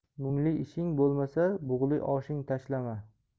mungli ishing bo'lmasa bug'li oshing tashlama